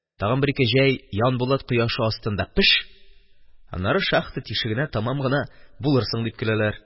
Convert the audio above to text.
Тагын бер-ике җәй Янбулат кояшы астында пеш, аннары шахта тишегенә таман гына булырсың, дип көләләр.